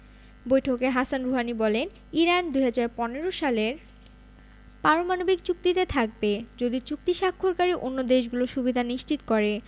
বৈঠকে Hassan Rouhani বলেন Iran ২০১৫ সালের পারমাণবিক চুক্তিতে থাকবে যদি চুক্তি স্বাক্ষরকারী অন্য দেশগুলো সুবিধা নিশ্চিত করে